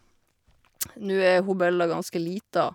Nå er hun Bella ganske lita.